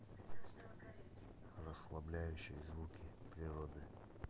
расслабляющие звуки природы